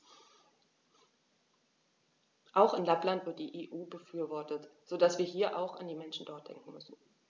Auch in Lappland wird die EU befürwortet, so dass wir hier auch an die Menschen dort denken müssen.